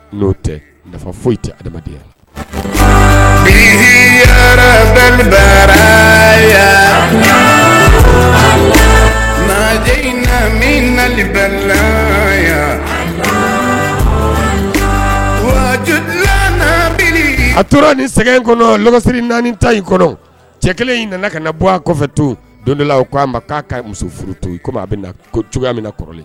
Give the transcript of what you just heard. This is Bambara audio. N'o tɛ nafa foyi tɛ adamadenyayarayaji bɛ la a tora ni sɛgɛn kɔnɔ siri naaniani ta i kɔnɔ cɛ kelen in nana ka na bɔ a kɔfɛ to donla o ko a ma k'a ka muso furu to komi a bɛ cogoyaya min kɔrɔ